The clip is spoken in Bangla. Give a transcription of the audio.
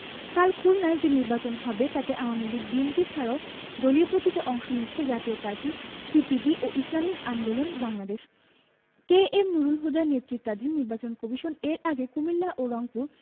কাল খুলনায় যে নির্বাচন হবে তাতে আওয়ামী লীগ বিএনপি ছাড়াও দলীয় প্রতীকে অংশ নিচ্ছে জাতীয় পার্টি সিপিবি ও ইসলামী আন্দোলন বাংলাদেশ কে এম নুরুল হুদার নেতৃত্বাধীন নির্বাচন কমিশন এর আগে কুমিল্লা ও রংপুর